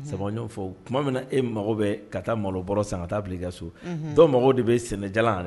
Sabu fɔ tuma min na e mago bɛ ka taa malo bɔ san ka taa bila ka so dɔ mago de bɛ sɛnɛja yɛrɛ